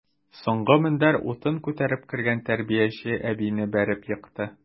Соңгы мендәр утын күтәреп кергән тәрбияче әбине бәреп екты.